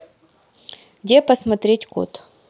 где посмотреть код